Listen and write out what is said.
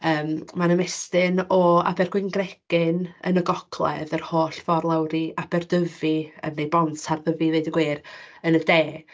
Yym mae'n ymestyn o Abergwyngregyn yn y Gogledd, yr holl ffordd lawr i Aberdyfi, yy neu Bontardyfi i ddweud y gwir, yn y De.